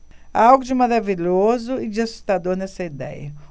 há algo de maravilhoso e de assustador nessa idéia